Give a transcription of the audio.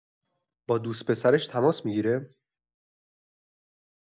با دوست‌پسرش تماس می‌گیره؟